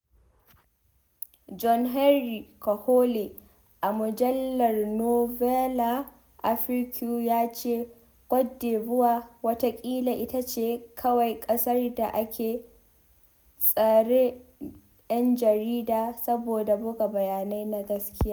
John Henry Kwahulé a mujallar Nouvelle Afrique ya ce, Côte d'Ivoire watakila ita ce kawai ƙasar da ake tsare ‘yan jarida saboda buga bayanai na gaskiya.